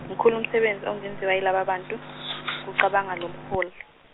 mkhulu umsebenzi ongenziwa yilaba bantu, kucabanga lomholi.